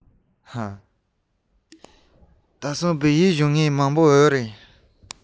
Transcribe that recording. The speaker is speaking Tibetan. དེང སང བོད ཡིག སྦྱོང མཁན མང པོ ཡོད རེད པས